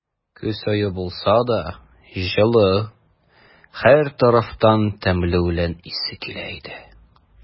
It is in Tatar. Көз ае булса да, җылы; һәр тарафтан тәмле үлән исе килә иде.